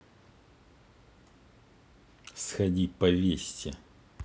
сходи повесься